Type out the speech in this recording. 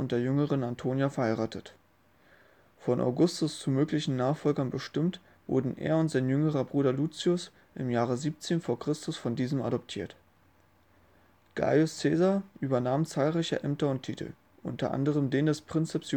jüngeren Antonia, verheiratet. Von Augustus zu möglichen Nachfolgern bestimmt, wurden er und sein jüngerer Bruder Lucius 17 v. Chr. von diesem adoptiert. Gaius Caesar übernahm zahlreiche Ämter und Titel, unter anderem den des princeps